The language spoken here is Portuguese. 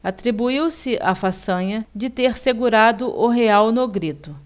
atribuiu-se a façanha de ter segurado o real no grito